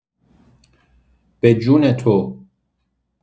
به جون تو